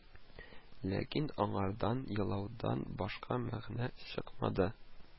Ләкин аңардан елаудан башка мәгънә чыкмады